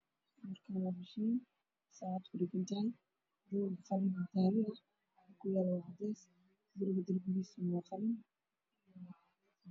Makiinad lagu sheego ama lagu kireeyo shaaca midabkeedu yahay madow oo saaran miis